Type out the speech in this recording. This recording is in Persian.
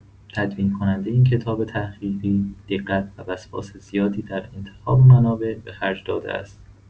تدوین‌کنندۀ این کتاب تحقیقی، دقت و وسواس زیادی در انتخاب منابع به خرج داده است.